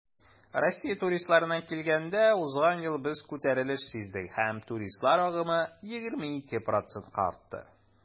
Россия туристларына килгәндә, узган ел без күтәрелеш сиздек һәм туристлар агымы 22 %-ка артты.